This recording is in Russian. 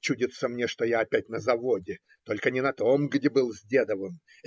Чудится мне, что я опять на заводе, только не на том, где был с Дедовым.